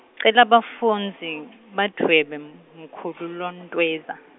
cela bafundzi, badvwebe m-, mkhulu Lontweza.